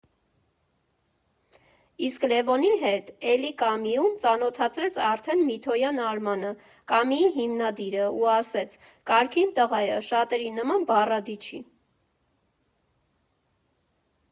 Իսկ Լևոնի հետ՝ էլի «Կամիում», ծանոթացրեց արդեն Միտոյան Արմանը («Կամիի» հիմնադիրը) ու ասեց՝ «կարգին տղա ա, շատերի նման բառադի չի»։